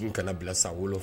I kana bila san7